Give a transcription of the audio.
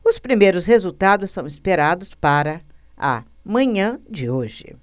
os primeiros resultados são esperados para a manhã de hoje